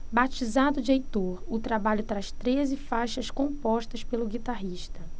batizado de heitor o trabalho traz treze faixas compostas pelo guitarrista